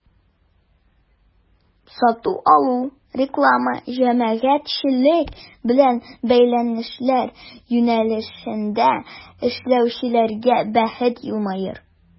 Сату-алу, реклама, җәмәгатьчелек белән бәйләнешләр юнәлешендә эшләүчеләргә бәхет елмаер.